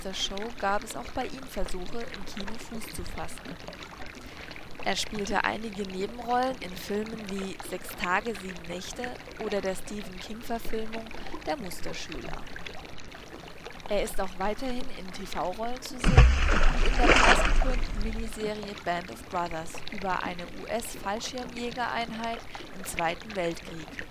Show gab es auch bei ihm Versuche, im Kino Fuß zu fassen. Er spielte einige Nebenrollen in Filmen wie Sechs Tage, sieben Nächte oder der Stephen-King-Verfilmung Der Musterschüler. Er ist auch weiterhin in TV-Rollen zu sehen, wie in der preisgekrönten Miniserie Band of Brothers über eine US-Fallschirmjäger-Einheit im Zweiten Weltkrieg